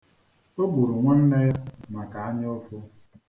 O gburu nwanne ya maka anyaụfụ.